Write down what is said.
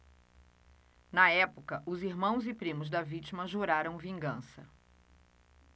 na época os irmãos e primos da vítima juraram vingança